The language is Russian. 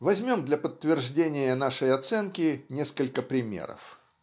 Возьмем для подтверждения нашей оценки несколько примеров.